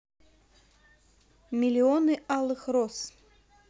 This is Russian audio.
миллионы алых роз